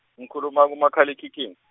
ngukhuluna kumakhalekhikhini.